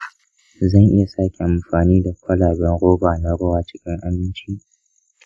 zan iya sake amfani da kwalaben roba na ruwa cikin aminci?